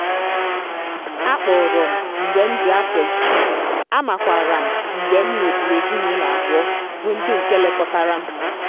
CB: A kpọọrọ m mgbe m dị afọ isii, amakwara m mgbe m nweburu ezinaụlọ abụọ bụ ndị nke lekọtara m.